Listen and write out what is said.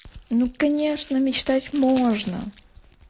ну конечно мечтать можно